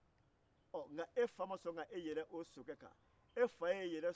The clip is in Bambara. a don su bɔ su o tɛ sokɔnɔ ko don dɛ